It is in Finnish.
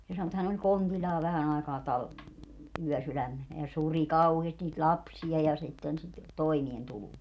se sanoi että hän oli kontillaan vähän aikaa - yösydämenä ja suri kauheasti niitä lapsia ja sitten sitä toimeentuloa